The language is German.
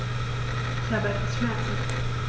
Ich habe etwas Schmerzen.